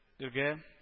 Гә